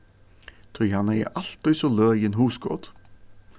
tí hann hevði altíð so løgin hugskot